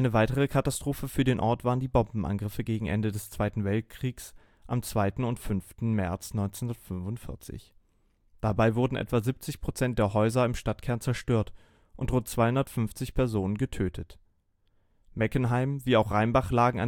weitere Katastrophe für den Ort waren die Bombenangriffe gegen Ende des Zweiten Weltkriegs am 2. und 5. März 1945. Dabei wurden etwa 70 % der Häuser im Stadtkern zerstört und rund 250 Personen getötet. Meckenheim wie auch Rheinbach lagen